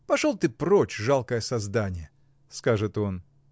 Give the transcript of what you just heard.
Пошел ты прочь, жалкое создание! — скажет он.